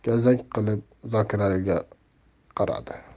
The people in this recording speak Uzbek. somsadan gazak qilib zokiraliga qaradi